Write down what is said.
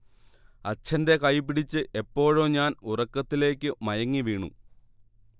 അച്ഛന്റെ കൈപിടിച്ച് എപ്പോഴോ ഞാൻ ഉറക്കത്തിലേക്കു മയങ്ങിവീണു